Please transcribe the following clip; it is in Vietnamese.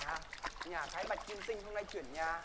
à nhà thái bạch kim tinh hôm nay chuyển nhà